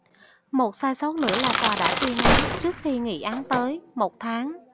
một sai sót nữa là tòa đã tuyên án trước khi nghị án tới một tháng